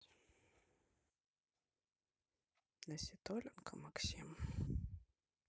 наситоленко максим